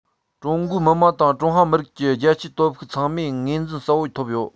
ཀྲུང གོའི མི དམངས དང ཀྲུང ཧྭ མི རིགས ཀྱི རྒྱལ གཅེས སྟོབས ཤུགས ཚང མར ངོས འཛིན གསལ བོ ཐོབ ཡོད